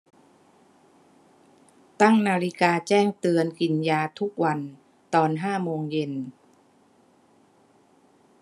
ตั้งนาฬิกาแจ้งเตือนกินยาทุกวันตอนห้าโมงเย็น